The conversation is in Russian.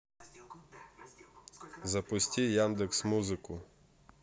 запусти яндекс музыку